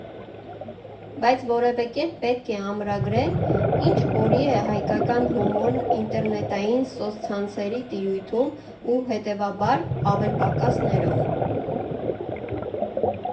Բայց որևէ կերպ պետք է ամրագրել՝ ինչ օրի է հայկական հումորն ինտերնետային, սոցցանցերի տիրույթում, ու հետևաբար,«ավել֊պակաս ներող»։